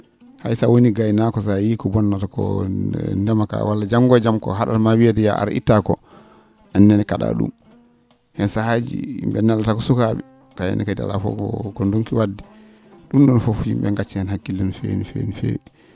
hay si a wonii gaynaako i yiyii ko bonnata ko ndema kaa walla janngo e jam ko ha?atma wiyeede yo a ar ittaa ko aan nene ka?a ?um heen sahaaji yim?e nelata ko sukaa?e kayenne kadi alaa fof ko ndonki wa?de ?um ?oon fof yim?e ngacca heen hakkille no feewi no feewi no feewi